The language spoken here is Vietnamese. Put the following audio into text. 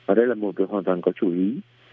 ở đây là một chuyện hoàn toàn có chủ ý